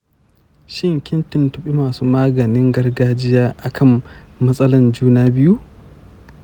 shin kin tuntubi masu maganin gargajiya akan matsalan juna biyu?